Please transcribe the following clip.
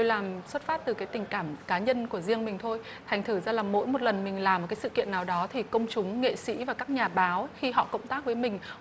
làm xuất phát từ cái tình cảm cá nhân của riêng mình thôi thành thử ra là mỗi một lần mình làm các sự kiện nào đó thì công chúng nghệ sĩ và các nhà báo khi họ cộng tác với mình